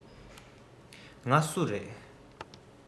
ང སུ རེད